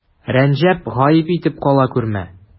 Рәнҗеп, гаеп итеп кала күрмә.